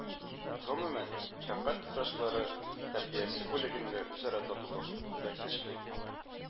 Гомумән, шәфкать туташлары тәрбиясе бүлегендә үзара татулык, теләктәшлек